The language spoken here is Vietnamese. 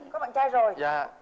có bạn trai rồi